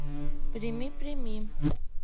прими прими